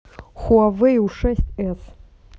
хуайвей у шесть с